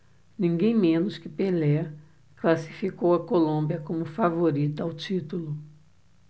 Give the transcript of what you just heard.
ninguém menos que pelé classificou a colômbia como favorita ao título